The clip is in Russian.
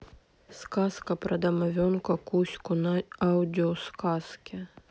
сказка про домовенка кузьку на аудиосказке